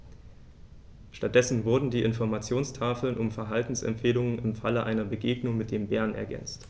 Stattdessen wurden die Informationstafeln um Verhaltensempfehlungen im Falle einer Begegnung mit dem Bären ergänzt.